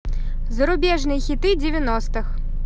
зарубежные хиты девяностых